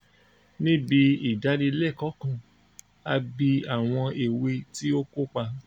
Níbi ìdánilẹ́kọ̀ọ́ kan, a bi àwọn èwe tí ó kópa: